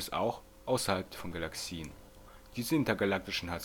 auch außerhalb von Galaxien. Diese intergalaktischen H-II-Regionen